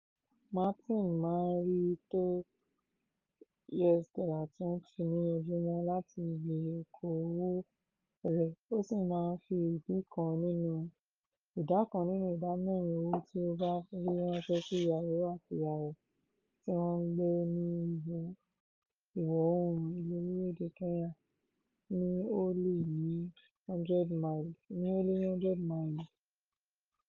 Martin máa ń rí to US$20 ní ojúmọ́ láti ibi okoòwò rẹ̀ ó sì máa ń fi ìdá kan nínú ìdá mẹ́rin owó tí ó bá rí ránṣẹ́ sí ìyàwó àti ìyá rẹ̀, tí wọ́n ń gbé ní Ìwọ̀ Oòrùn Orílẹ̀ èdè Kenya, ní o lé ní 100 máìlì.